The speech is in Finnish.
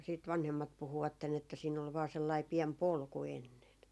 sitten vanhemmat puhuivat että siinä oli vain sellainen pieni polku ennen